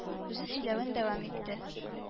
Үзе сөйләвен дәвам итте: